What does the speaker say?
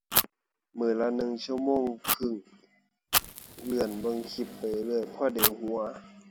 มื้อละหนึ่งชั่วโมงครึ่ง เลื่อนเบิ่งคลิปไปเรื่อยเรื่อยพอได้หัว